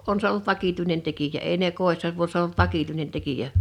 on se ollut vakituinen tekijä ei ne kodissa kun se on ollut vakituinen tekijä